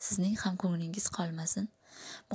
sizning ham ko'nglingiz qolmasin